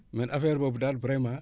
man affaire boobu daal vraiment